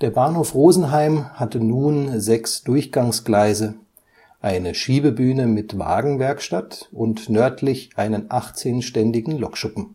Bahnhof Rosenheim hatte nun sechs Durchgangsgleise, eine Schiebebühne mit Wagenwerkstatt und nördlich einen 18-ständigen Lokschuppen